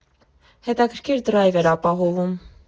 Հետաքրքիր դրայվ էր ապահովում։